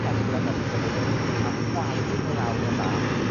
pesl a morter fel hyn, a chwalu nw lawr yn dda,